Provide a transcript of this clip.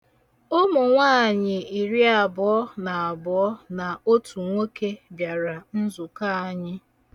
Ụmụ nwaanyị iriabụọ na abụọ na otu nwoke bịara nzụkọ anyị.